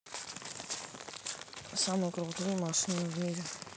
самые крутые машины в мире